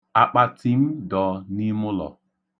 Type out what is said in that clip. Akpati m dọ n'ime ụlọ.